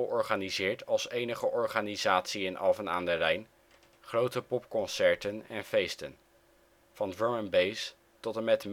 organiseert als enige organisatie in Alphen aan den Rijn grote popconcerten en feesten (van drum ' n ' bass tot en met metal